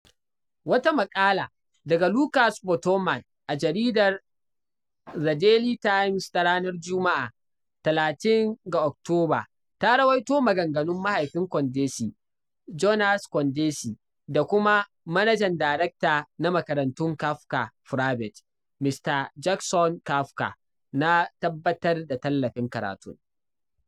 Wata maƙala daga Lucas Bottoman a jaridar The Daily Times ta ranar Jumma’a, 30 ga Oktoba, ta rawaito maganganun mahaifin Kondesi, Jonas Kondesi, da kuma Manajan Darakta na Makarantun Kaphuka Private, Mista Jackson Kaphuka, na tabbatar da tallafin karatun.